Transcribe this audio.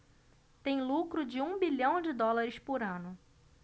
tem lucro de um bilhão de dólares por ano